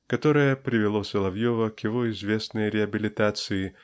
-- которое привело Соловьева к его известной реабилитации